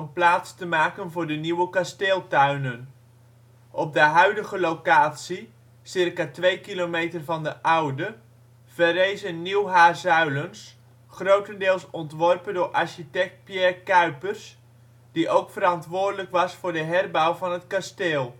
plaats te maken voor de nieuwe kasteeltuinen. Op de huidige locatie, circa 2 kilometer van de oude, verrees een nieuw Haarzuilens, grotendeels ontworpen door architect Pierre Cuypers, die ook verantwoordelijk was voor de herbouw van het kasteel